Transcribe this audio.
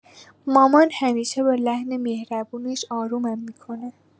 مامان همیشه با لحن مهربونش آرومم می‌کنه.